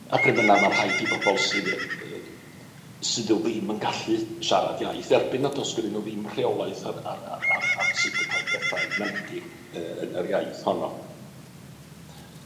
A prin bynna ma' rhaid i bobol sydd yy yy sy nw ddim yn gallu siarad iaith, derbyn nad oes gennyn nw ddim rheolaeth ar ar ar ar ar sut y caiff pethau mynegi yy yn yr iaith honno.